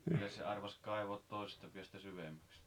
milläs sen arvasi kaivaa toisesta päästä syvemmäksi